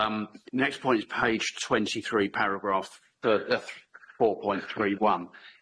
Yym next point is page twenty three paragraph yy yy four point three one.